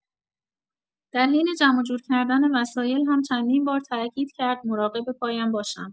در حین جمع و جور کردن وسایل هم چندین بار تاکید کرد مراقب پایم باشم.